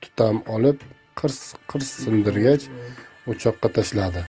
tutam olib qirs qirs sindirgach o'choqqa tashladi